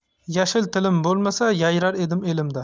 yashil tilim bo'lmasa yayrar edim elimda